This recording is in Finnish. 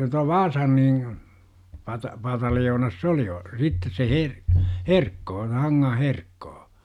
tuo Vaasan niin - pataljoonassa se oli - sitten se - Herkko se Hangan Herkko